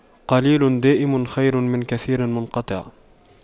قليل دائم خير من كثير منقطع